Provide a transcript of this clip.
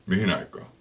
mihin aikaan